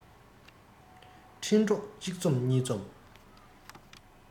འཕྲིན གྲོགས གཅིག འཛོམས གཉིས འཛོམས